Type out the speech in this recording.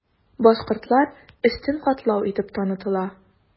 Башкортлар өстен катлау итеп танытыла.